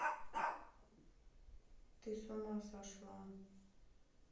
ты с ума сошла